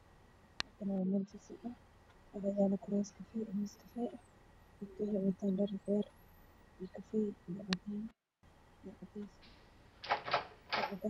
Waa niman waxbarashada ku jiraan